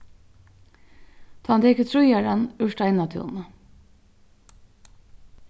tá hann tekur trýaran úr steinatúni